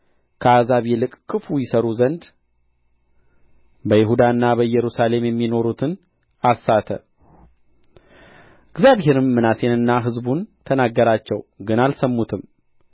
ከአሕዛብ ይልቅ ክፉ ይሠሩ ዘንድ በይሁዳና በኢየሩሳሌም የሚኖሩትን አሳተ እግዚአብሔርም ምናሴንና ሕዝቡን ተናገራቸው ግን አልሰሙትም